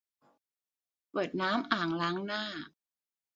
เปิดน้ำอ่างล้างหน้า